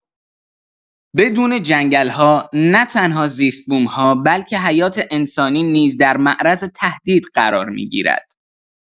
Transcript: بدون جنگل‌ها نه‌تنها زیست‌بوم‌ها، بلکه حیات انسانی نیز در معرض تهدید قرار می‌گیرد.